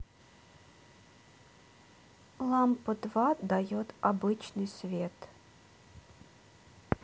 лампа два обычный свет